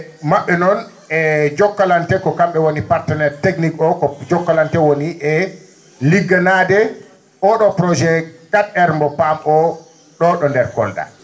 ma??e noon e Jokalante ko kam?e ngoni partenaire technique oo ko Jokalante woni e ligganaade oo ?oo projet quatre R mbo PAM oo ?oo ?o ndeer Kolda